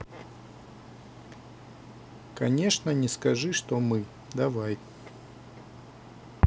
конечно не скажи что мы давай